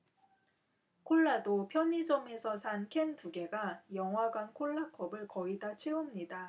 콜라도 편의점에서 산 캔 두 개가 영화관 콜라 컵을 거의 다 채웁니다